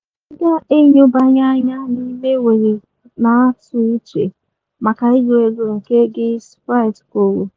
“Ị ga-enyobanye anya n’ime were na-atụ uche maka egwuregwu nke gị,” Spieth kwuru.